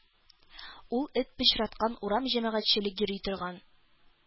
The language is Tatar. — ул эт пычраткан урам җәмәгатьчелек йөри торган